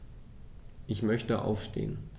Ich möchte aufstehen.